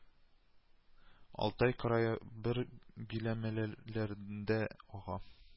Алтай крае бер биләмәләрендә ага